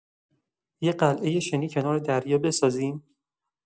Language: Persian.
یه قلعه شنی کنار دریا بسازیم؟